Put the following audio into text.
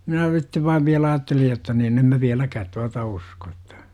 minä sitten vain vielä ajattelin jotta niin en minä vieläkään tuota usko että